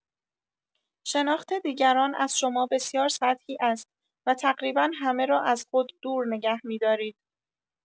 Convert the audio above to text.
شناخت دیگران از شما بسیار سطحی است و تقریبا همه را از خود دور نگه می‌دارید.